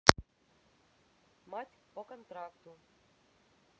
мать по контракту